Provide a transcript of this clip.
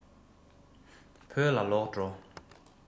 བོད ལ ལོག འགྲོ